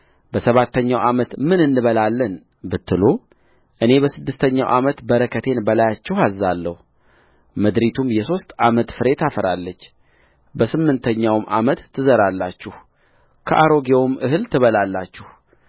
በሰባተኛው ዓመት ምን እንበላለን ብትሉእኔ በስድስተኛው ዓመት በረከቴን በላያችሁ አዝዛለሁ ምድሪቱም የሦስት ዓመት ፍሬ ታፈራለችበስምንተኛውም ዓመት ትዘራላችሁ ከአሮጌውም እህል ትበላላችሁ